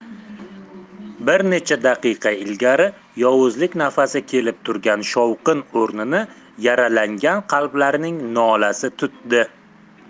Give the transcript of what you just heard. bir necha daqiqa ilgari yovuzlik nafasi kelib turgan shovqin o'rnini yaralangan qalblarning nolasi tutdi